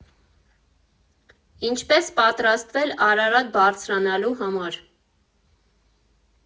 Ինչպես պատրաստվել Արարատ բարձրանալու համար։